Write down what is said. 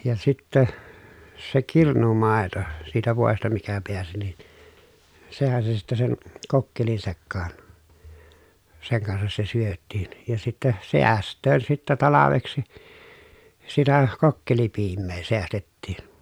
ja sitten se kirnumaito siitä voista mikä pääsi niin sehän se sitten sen kokkelin sekaan sen kanssa se syötiin ja sitten säästöön sitten talveksi sitä kokkelipiimää säästettiin